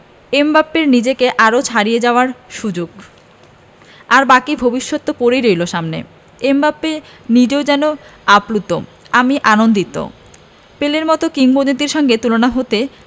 এমবাপ্পের নিজেকে আরও ছাড়িয়ে যাওয়ার সুযোগ আর বাকি ভবিষ্যৎ তো পড়েই রইল সামনে এমবাপ্পে নিজেও যেন আপ্লুত আমি আনন্দিত পেলের মতো কিংবদন্তির সঙ্গে তুলনা হতে